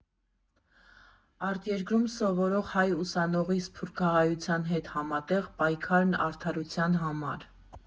Արտերկրում սովորող հայ ուսանողի՝ սփյուռքահայության հետ համատեղ պայքարն արդարության համար։